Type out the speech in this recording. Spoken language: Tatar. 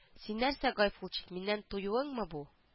Син нәрсә гайфулчик миннән туюыңмы бу